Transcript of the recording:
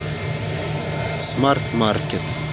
смарт маркет